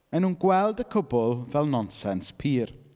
Maen nhw'n gweld y cwbl fel nonsens pur.